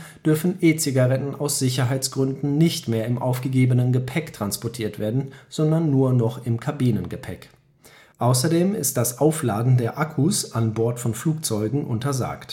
dürfen E-Zigaretten aus Sicherheitsgründen nicht mehr im aufgegebenen Gepäck transportiert werden, sondern nur noch im Kabinengepäck. Außerdem ist das Aufladen der Akkus an Bord von Flugzeugen untersagt